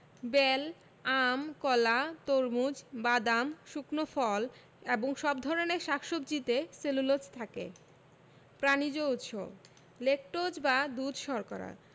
bell আম কলা তরমুজ বাদাম শুকনো ফল এবং সব ধরনের শাক সবজিতে সেলুলোজ থাকে প্রানিজ উৎস ল্যাকটোজ বা দুধ শর্করা